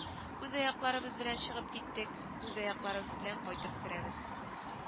Үз аякларыбыз белән чыгып киттек, үз аягыбыз белән кайтып керәбез